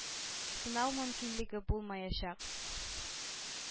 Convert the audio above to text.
Сынау мөмкинлеге булмаячак.